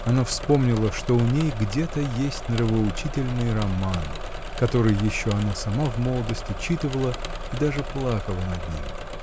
Она вспомнила, что у ней где-то есть нравоучительный роман, который еще она сама в молодости читывала и даже плакала над ним.